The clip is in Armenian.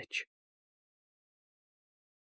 Մեջ։